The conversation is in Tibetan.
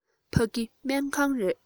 ཕ གི སྨན ཁང རེད